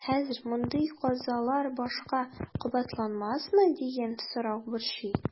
Хәзер мондый казалар башка кабатланмасмы дигән сорау борчый.